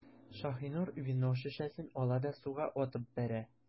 Шаһинур вино шешәсен ала да суга атып бәрә.